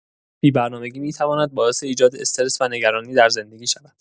بی‌برنامگی می‌تواند باعث ایجاد استرس و نگرانی در زندگی شود.